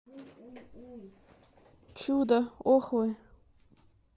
чудо ох вы